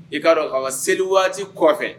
I'a dɔn ka ka seli waati kɔfɛ